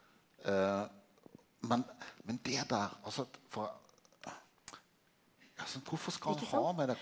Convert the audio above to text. men men det der altså at altså kvifor skal ein ha med det?